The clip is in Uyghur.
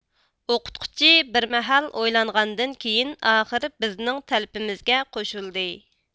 ئوقۇتقۇچى بىر مەھەل ئويلانغاندىن كېيىن ئاخىر بىزنىڭ تەلىپىمىزەە قوشۇلدى